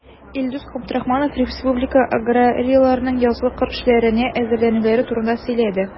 Илдус Габдрахманов республика аграрийларының язгы кыр эшләренә әзерләнүләре турында сөйләде.